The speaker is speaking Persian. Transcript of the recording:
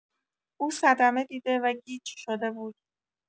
او صدمه‌دیده و گیج شده بود.